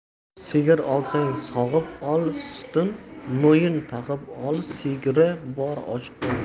sigir olsang sog'ib ol sutin moyin tatib ol sigiri bor och qolmas